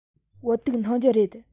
བོད ཐུག འཐུང རྒྱུ རེད